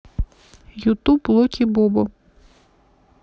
ютуб локи бобо